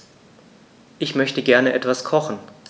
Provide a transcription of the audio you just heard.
Ich möchte gerne etwas kochen.